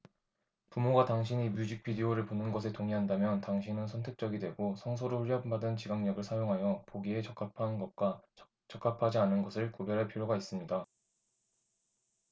부모가 당신이 뮤직 비디오를 보는 것에 동의한다면 당신은 선택적이 되고 성서로 훈련받은 지각력을 사용하여 보기에 적합한 것과 적합하지 않은 것을 구별할 필요가 있습니다